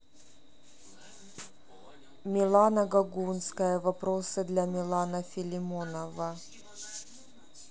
милана гогунская вопросы для милана филимонова